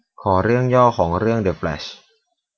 ขอเรื่องย่อของเรื่องเดอะแฟลช